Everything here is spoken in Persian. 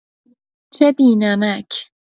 چه بی‌نمک